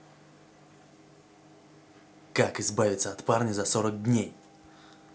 как избавиться от парня за сорок дней